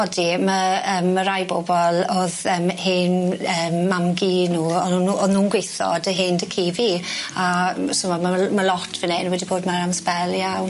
Odi ma' yym ma' rai bobol o'dd yym hen yym mam-gu nw o'n nw o'n nw'n gweitho 'dy hen dy'cu fi a m- so ma' ma' l- ma' lot fyn 'yn wedi bod 'ma am sbel iawn.